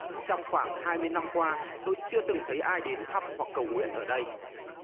trong khoảng hai mươi năm qua tôi chưa từng thấy ai đến thăm hoặc cầu nguyện ở đây